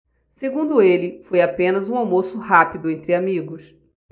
segundo ele foi apenas um almoço rápido entre amigos